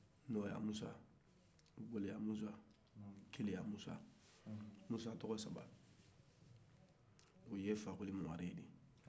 nɔgɔya musa gɛlɛya musa keleya musa musa tɔgɔ saba olu ye fakoli mɔdenw de ye